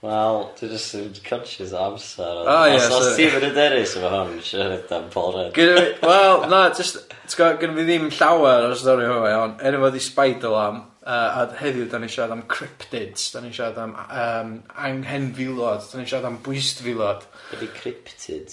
Wel, dwi jyst yn conscious o amser... O ia ...os, sa ti'n mynd hyderus am hon, so ma siarad am Paul Rudd gynna fi wel na jyst tibod gynna fi ddim llawar o'r stori yma iawn enw fo ydi Spider-Lam yy a heddiw dan ni'n siarad am cryptids dan ni'n siarad am yym anghenfilod, dan ni'n siarad am bwystfilod. Be di cryptids?